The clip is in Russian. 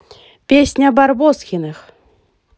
песня барбоскиных